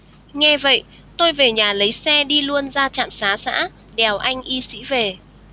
nghe vậy tôi về nhà lấy xe đi luôn ra trạm xá xã đèo anh y sĩ về